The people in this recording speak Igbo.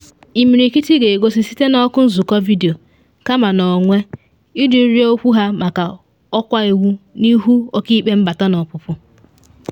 Imirikiti ga-egosi site na oku nzụkọ vidio, kama n’onwe, iji rịọ okwu ha maka ọkwa iwu n’ihu ọkaikpe mbata na ọpụpụ.